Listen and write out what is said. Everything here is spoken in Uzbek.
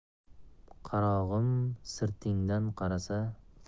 qarog'im sirtingdan qarasa